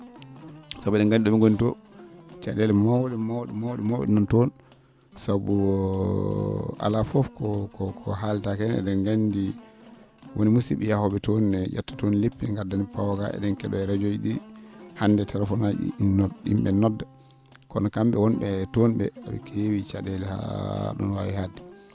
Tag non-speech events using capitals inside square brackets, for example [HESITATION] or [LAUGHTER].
sabu e?en nganndi ?o?e ngoni too ca?eele maw?e maw?e maw?e maw?e nan toon sabu alaa fof ko ko ko haaletaake heen e?en nganndi woni e musib?e yahoo?e toon no ?etta toon leppi no ngadda ne pawa gaa e?en ke?oo e radio ji ?ii hannde téléphone aji ?i nod [HESITATION] yim?e nodda kono kam?e won?e toon ?e e?e keewi ca?eele haa ?oon waawi haadde